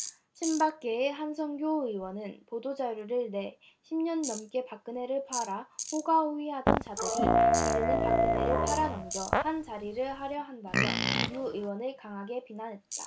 친박계의 한선교 의원은 보도 자료를 내 십 년 넘게 박근혜를 팔아 호가호위를 하던 자들이 이제는 박근혜를 팔아넘겨 한자리를 하려 한다며 유 의원을 강하게 비난했다